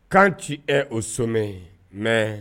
K' ci e o somɛ mɛ